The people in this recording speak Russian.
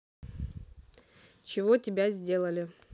чего тебя сделали